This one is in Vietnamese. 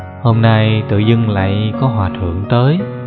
hôm nay tự dưng lại có hòa thượng tới